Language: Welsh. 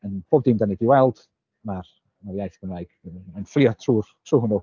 Yn bob dim dan ni 'di weld ma'r ma'r iaith Gymraeg yn fflio trwy'r trwy hwnnw.